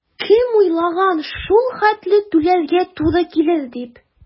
Кем уйлаган шул хәтле түләргә туры килер дип?